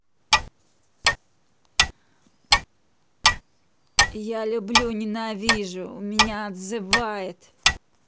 я люблю ненавижу у меня отзывает